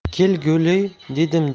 kel guli dedim